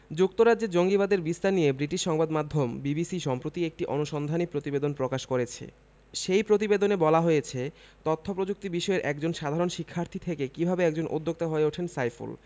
যুক্তরাজ্যে জঙ্গিবাদের বিস্তার নিয়ে ব্রিটিশ সংবাদমাধ্যম বিবিসি সম্প্রতি একটি অনুসন্ধানী প্রতিবেদন প্রকাশ করেছে সেই প্রতিবেদনে বলা হয়েছে তথ্যপ্রযুক্তি বিষয়ের একজন সাধারণ শিক্ষার্থী থেকে কীভাবে একজন উদ্যোক্তা হয়ে ওঠেন সাইফুল